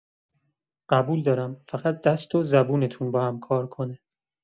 قبول دارم، فقط دست و زبونتون با هم کار کنه.